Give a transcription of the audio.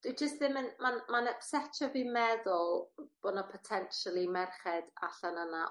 Dwi jyst ddim yn... Ma'n ma'n y[setio fi meddwl bo' 'na potentialy merched allan yna